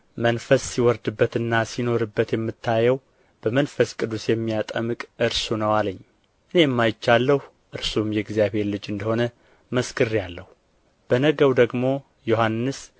መንፈስ ሲወርድበትና ሲኖርበት የምታየው በመንፈስ ቅዱስ የሚያጠምቅ እርሱ ነው አለኝ እኔም አይቻለሁ እርሱም የእግዚአብሔር ልጅ እንደ ሆነ መስክሬአለሁ በነገው ደግሞ ዮሐንስ